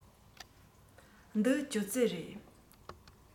འདི ཅོག ཙེ རེད